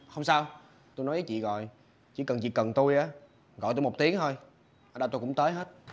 không sao tôi nói với chị gồi chỉ cần chị cần tui á gọi tui một tiếng thôi ở đâu tui cũng tới hớt